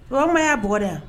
O kuma e y'a bugɔ de wa.?